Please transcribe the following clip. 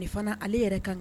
Fana ale yɛrɛ kan